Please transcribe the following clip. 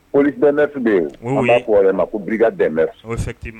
Folid tun kuma b'a k korɛ ma ko bi dɛmɛ